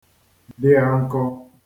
-dịà nkọ̄